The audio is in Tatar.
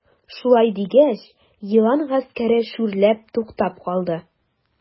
Шулай дигәч, елан гаскәре шүрләп туктап калды.